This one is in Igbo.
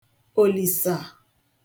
òlìsà